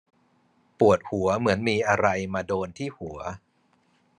ปวดหัวเหมือนมีอะไรมาโดนที่หัว